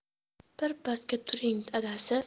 birpasga turing adasi